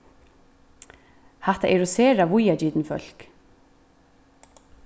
hatta eru sera víðagitin fólk